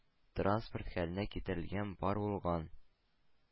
Транспорт хәленә китерелгән бар булган